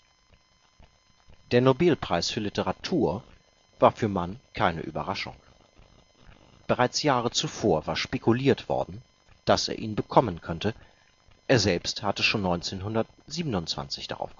Der Nobelpreis für Literatur war für Mann keine Überraschung. Bereits Jahre zuvor war spekuliert worden, dass er ihn bekommen könnte, er selbst hatte schon 1927 darauf